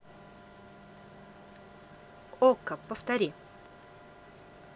okko повтори